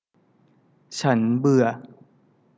ฉันเบื่อ